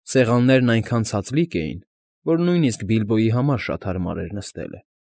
Սեղաններն այնքան ցածլիկ էին, որ նույնիսկ Բիլբոյի համար շատ հարմար էր նստելը։